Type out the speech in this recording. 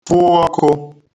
fụ ọkụ̄